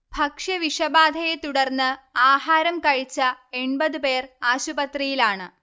ഭക്ഷ്യ വിഷബാധയെ തുടർന്ന് ആഹാരം കഴിച്ച എൺപത് പേർആശുപത്രിയിലാണ്